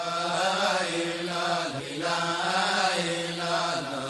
Saninɛ